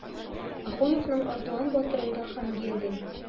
Ахуновның "Ардуан батыр"ында Хангилдин.